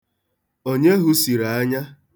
Onye hụsiri anya?